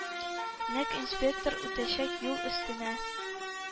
Нәкъ инспектор үтәчәк юл өстенә